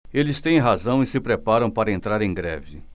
eles têm razão e se preparam para entrar em greve